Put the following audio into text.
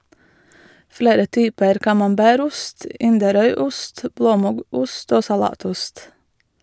Flere typer camembert-ost, Inderøyost, blåmuggost og salatost.